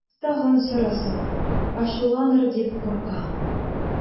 Тагын сорасам, ачуланыр дип куркам.